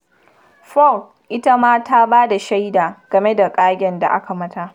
Ford ita ma ta ba da shaida game da ƙagen da aka mata.